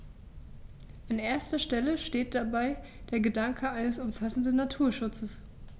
An erster Stelle steht dabei der Gedanke eines umfassenden Naturschutzes.